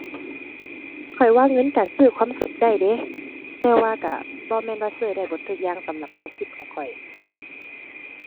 ข้อยว่าเงินก็ซื้อความสุขได้เดะ แต่ว่าก็บ่แม่นว่าซื้อได้เบิดทุกอย่างสำหรับความคิดของข้อย